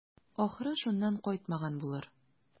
Ахры, шуннан кайтмаган булыр.